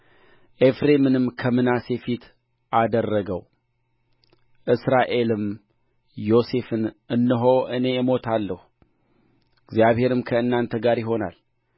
ኤፍሬምንም ከምናሴ ፊት አደረገው እስራኤልም ዮሴፍን እነሆ እኔ እሞታለሁ እግዚአብሔርም ከእናንተ ጋር ይሆናል